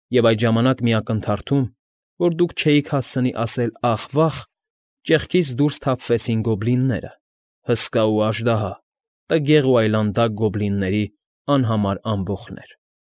Եվ այդ ժամանակ մի ակնթարթում, որ դուք չէիք հասցնի ասել «ախ, վախ», ճեղքից դուրս թափվեցին գոբլինները, հսկա ու աժդահա, տգեղ ու այլանդակ գոբլինների անհամար ամբոխներ։